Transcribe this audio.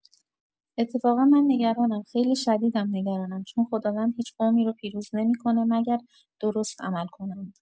اتفاقا من نگرانم خیلی شدیدم نگرانم چون خداوند هیچ قومی رو پیروز نمی‌کنه مگر درست عمل کنند.